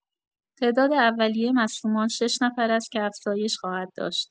تعداد اولیه مصدومان ۶ نفر است که افزایش خواهد داشت.